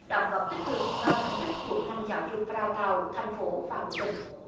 đóng góp tích cực vào thành tích của ngành giáo dục và đào tạo thành phố và của tỉnh